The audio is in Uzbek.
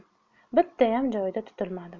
bittayam joyida tutilmadim